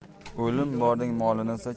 o'lim borning molini